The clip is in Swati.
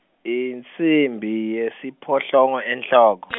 insimbi, yesiphohlongo enhloko .